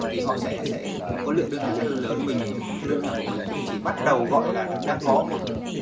thì họ sẽ sẽ có lượng đơn hàng rất là lớn mình đơn hàng của mình cũng chỉ bắt đầu gọi là đang có một